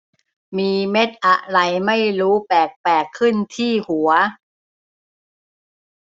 มีเม็ดอะไรไม่รู้แปลกแปลกขึ้นที่หัว